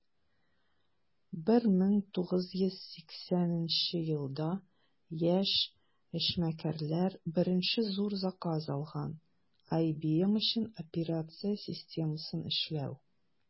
1980 елда яшь эшмәкәрләр беренче зур заказ алган - ibm өчен операция системасын эшләү.